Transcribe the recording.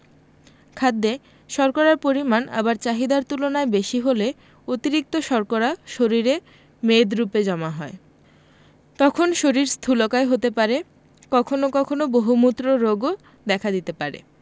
খাদ্যে শর্করার পরিমাণ আবার চাহিদার তুলনায় বেশি হলে অতিরিক্ত শর্করা শরীরে মেদরুপে জমা হয় তখন শরীর স্থুলকায় হতে পারে কখনো কখনো বহুমূত্র রোগও দেখা দিতে পারে